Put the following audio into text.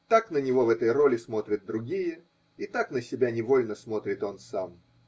Так на него в этой роли смотрят другие, и так на себя невольно смотрит он сам.